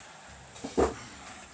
алина ползает около тебя